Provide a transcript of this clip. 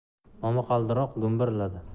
momaqaldirok gumburladi